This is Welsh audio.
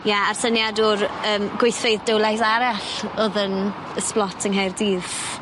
Ie a'r syniad o'r yym gweithfeydd Dowlais arall o'dd yn y Sblot yng Nghaerdydd.